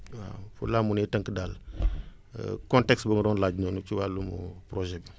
waaw foofu laa mënee tënk daal contexte bi nga doon laaj noonu ci wàllum projet bi